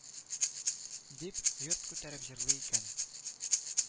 Дип, йорт күтәреп җырлый икән